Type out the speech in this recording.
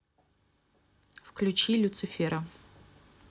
включи люцифера